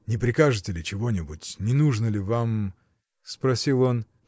— Не прикажете ли чего-нибудь? не нужно ли вам. — спросил он.